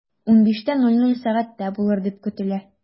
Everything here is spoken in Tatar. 15.00 сәгатьтә булыр дип көтелә.